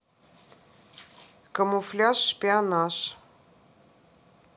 камуфляж шпионаж